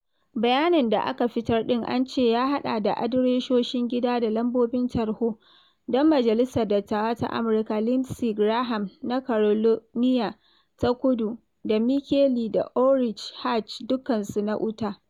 Bayanin da aka fitar ɗin an ce ya haɗa da adiresoshin gida da lambobin tarho don Majalisar Dattawa ta Amurka. Lindsey Graham na Carolina ta Kudu, da Mike Lee da Orrin Hatch, dukkansu na Utah.